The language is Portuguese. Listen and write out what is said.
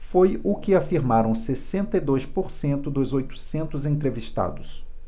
foi o que afirmaram sessenta e dois por cento dos oitocentos entrevistados